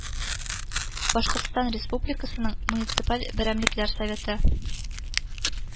Башкортстан Республикасының муниципаль берәмлекләр советы